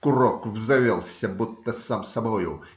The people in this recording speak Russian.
курок взвелся будто сам собою.